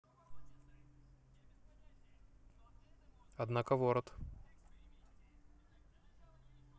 однако ворот